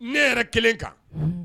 Ne yɛrɛ kelen kan